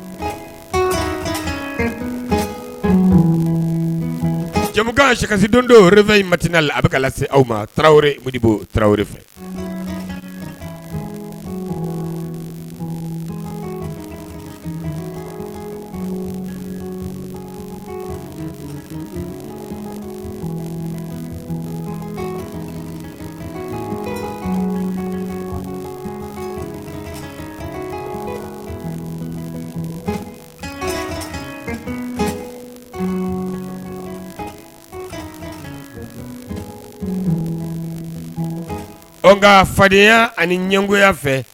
Jamumu sikasidondorfɛ in matina la a bɛ lase se aw ma tarawelebo tarawelewre fɛ nka nka fadenyaya ani ɲɛgoya fɛ